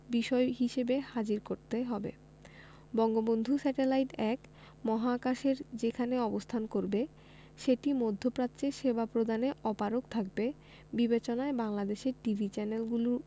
বিষয় হিসেবে হাজির করতে হবে বঙ্গবন্ধু স্যাটেলাইট ১ মহাকাশের যেখানে অবস্থান করবে সেটি মধ্যপ্রাচ্যে সেবা প্রদানে অপারগ থাকবে বিবেচনায় বাংলাদেশের টিভি চ্যানেলগুলো